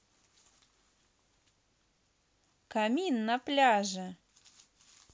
камин на пляже